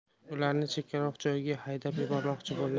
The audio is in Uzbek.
ularni chekkaroq joyga haydab yubormoqchi bo'ldim